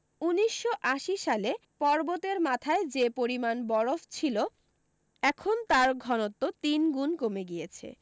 উনিশশো আশি সালে পর্বতের মাথায় যে পরিমাণ বরফ ছিল এখন তার ঘনত্ব তিন গুণ কমে গিয়েছে